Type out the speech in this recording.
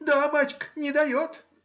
— Да, бачка, не дает.